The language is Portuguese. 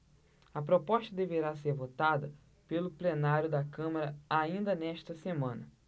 a proposta deverá ser votada pelo plenário da câmara ainda nesta semana